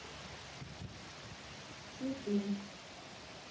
цветы